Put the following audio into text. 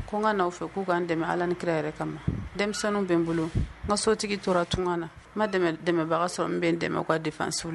Ko ŋa n'aw fɛ k'u ka n dɛmɛ Ala ni kira yɛrɛ kama dɛnmisɛnninw be n bolo ŋa sotigi tora tuŋa na ma dɛmɛl dɛmɛbaga sɔrɔ min be n dɛmɛ u ka dépense w la